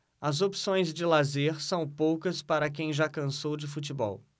as opções de lazer são poucas para quem já cansou de futebol